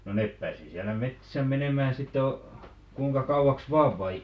no ne pääsi siellä metsissä menemään sitten - kuinka kauaksi vain vai